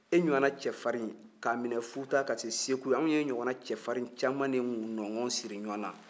e ɲɔgɔnna cɛfarin k'a minɛ futa ka se segu an ye ɲɔgɔnna cɛfarin caman de nɔngɔn siri ɲɔgɔn na